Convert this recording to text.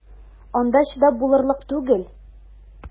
Анда чыдап булырлык түгел!